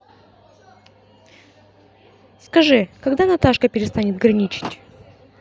скажи когда наташка перестанет граничить